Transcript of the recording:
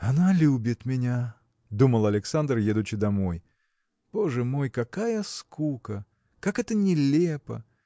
Она любит меня, – думал Александр, едучи домой. – Боже мой, какая скука! как это нелепо